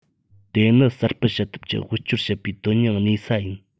དེ ནི གསར སྤེལ བྱེད ཐབས ཀྱིས དབུལ སྐྱོར བྱེད པའི དོན སྙིང གནས ས ཡིན